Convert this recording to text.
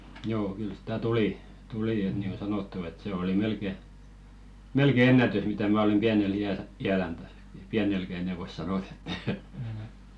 joo kyllä sitä tuli tuli että niin kuin sanottu että se oli melkein melkein ennätys mitä minä olen pienellä iällä iälläni tässä pienelläkään enää voi sanoa että